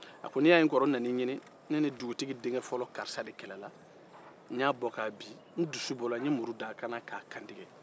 a ko ni y'a kɔrɔ n nan'i ɲini ne ni dugutigi denkefɔlɔ karisa de kɛlɛ la n y'a bɔkabi n dusu bɔ la n ye muru d'a kan na k'a kantigɛ